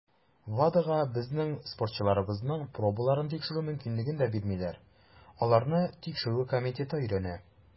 WADAга безнең спортчыларыбызның пробаларын тикшерү мөмкинлеген дә бирмиләр - аларны Тикшерү комитеты өйрәнә.